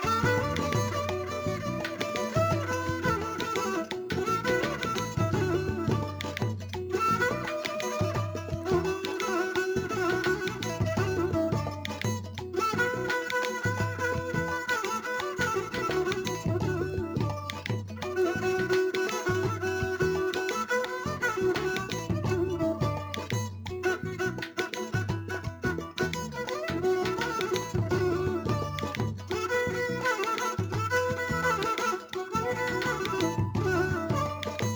Nka nka